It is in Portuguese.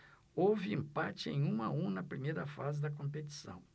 houve empate em um a um na primeira fase da competição